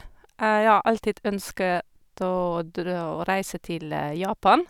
Jeg har alltid ønsket å dra å reise til Japan.